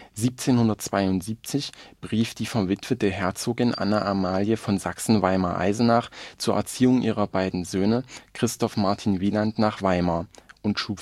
1772 die verwitwete Herzogin Anna Amalie von Sachsen-Weimar-Eisenach zur Erziehung ihrer beiden Söhne Wieland nach Weimar berief